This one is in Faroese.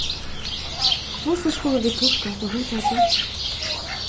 hvussu skulu vit tulka hetta hugtakið